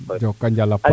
jokonjal a paax